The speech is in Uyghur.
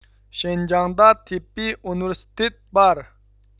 شىنجاڭدا تىببىي ئۇنىۋېرسىتېت بار